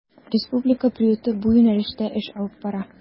Республика приюты бу юнәлештә эш алып бара.